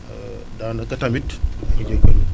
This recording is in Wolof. daanaka tamit maa ngi jégalu